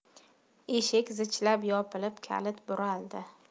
eshik zichlab yopilib kalit buraldi